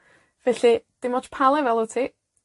Felly, dim otsh pa lefel wt ti,